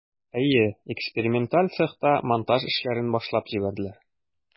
Әйе, эксперименталь цехта монтаж эшләрен башлап җибәрделәр.